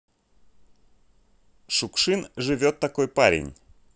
шукшин живет такой парень